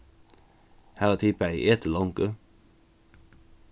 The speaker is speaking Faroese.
hava tit bæði etið longu